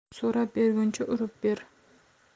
so'rab berguncha urib ber